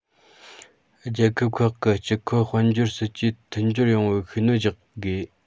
རྒྱལ ཁབ ཁག གི སྤྱི ཁོག དཔལ འབྱོར སྲིད ཇུས མཐུན སྦྱོར ཡོང བར ཤུགས སྣོན རྒྱག དགོས